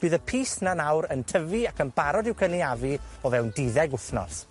Bydd y pys 'na nawr yn tyfu ac yn barod i'w cynaeafu o fewn duddeg wthnos.